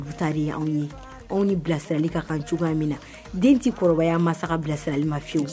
Anw ye anw ni bilasirali ka kan cogoya min na den tɛ kɔrɔbayaya masa ka bilasirali ma fi